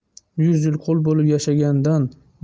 yuz yil qul bo'lib yashagandan